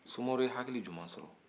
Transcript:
sumaworo ye hakili jumɛn sɔrɔ